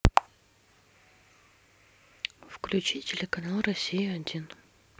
включи телеканал россия один